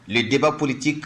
Le debat politique